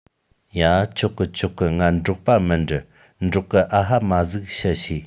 ཡ ཆོག གི ཆོག གི ང འབྲོག པ མིན དྲ འབྲོག སྐད ཨ ཧ མ ཟིག བཤད ཤེས